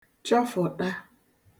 chọfụ̀ṭa